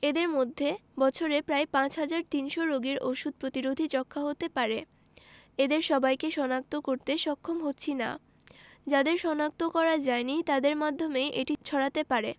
এদের মধ্যে বছরে প্রায় ৫ হাজার ৩০০ রোগীর ওষুধ প্রতিরোধী যক্ষ্মা হতে পারে এদের সবাইকে শনাক্ত করতে সক্ষম হচ্ছি না যাদের শনাক্ত করা যায়নি তাদের মাধ্যমেই এটি ছড়াতে পারে